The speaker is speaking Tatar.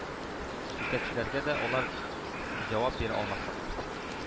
Җитәкчеләргә дә алар җавап бирә алмаслык